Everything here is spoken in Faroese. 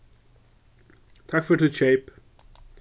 takk fyri títt keyp